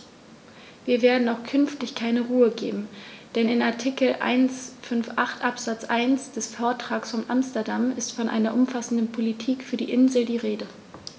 Wir werden auch künftig keine Ruhe geben, denn in Artikel 158 Absatz 1 des Vertrages von Amsterdam ist von einer umfassenden Politik für die Inseln die Rede.